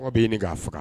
B'i nin k'a faga